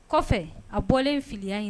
Kɔfɛ a bɔlen fili in